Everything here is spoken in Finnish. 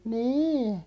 niin